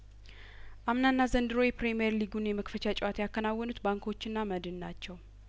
አምናና ዘንድሮ የፕሪሚየር ሊጉን የመክፈቻ ጨዋታ ያከናወኑት ባንኮችና መድን ናቸው